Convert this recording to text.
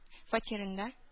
Фатирында